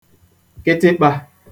kịtịkpa